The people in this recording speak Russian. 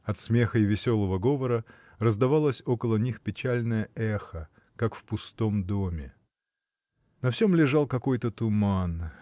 От смеха и веселого говора раздавалось около них печальное эхо, как в пустом доме. На всем лежал какой-то туман.